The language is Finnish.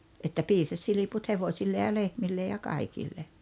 että piisasi silput hevosille ja lehmille ja kaikille